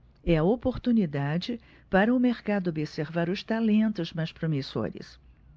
é a oportunidade para o mercado observar os talentos mais promissores